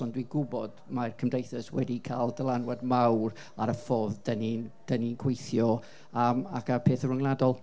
ond dwi'n gwybod mae'r cymdeithas wedi cael dylanwad mawr ar y ffordd dan ni'n dan ni'n gweithio yym ac ar pethau ryngwladol